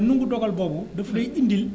te li mu dogal boobu daf lay indil